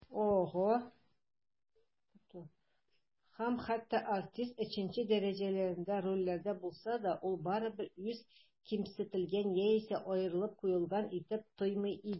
Һәм хәтта артист өченче дәрәҗәдәге рольләрдә булса да, ул барыбыр үзен кимсетелгән яисә аерылып куелган итеп тоймый иде.